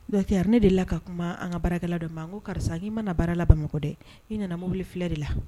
Dɔcra ne de la ka kuma an ka baara dɔ ma ko karisa i mana baara la bamakɔ dɛ i nana mobili filɛ de la